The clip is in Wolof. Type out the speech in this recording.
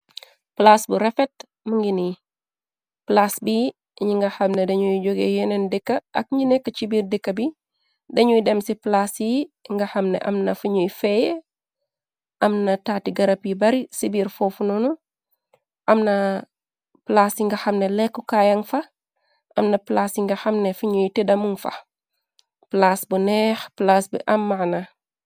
Palaas bu rafet mingi ni palaas bi ñi nga xamne dañuy joge yeneen dëkka ak ñi nekk ci biir dëkka bi dañuy dem ci plaas yi nga xamne am na fuñuy feeye am na taati gërab yi bari ci biir foofu noonu amna palaas yi nga xamne lekku kaayaŋ fax amna palaas yi nga xamne fiñuy teddamuŋ fax palaas bu neex palaas bi am maana.